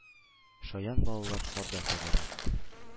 Шаян балалар карда тәгәрәп